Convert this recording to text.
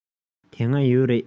དེ སྔ ཡོད རེད